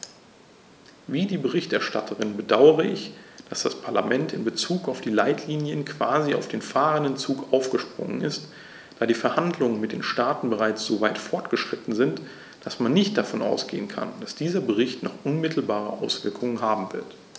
Wie die Berichterstatterin bedaure ich, dass das Parlament in bezug auf die Leitlinien quasi auf den fahrenden Zug aufgesprungen ist, da die Verhandlungen mit den Staaten bereits so weit fortgeschritten sind, dass man nicht davon ausgehen kann, dass dieser Bericht noch unmittelbare Auswirkungen haben wird.